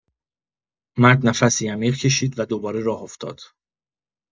مرد نفسی عمیق کشید و دوباره راه افتاد.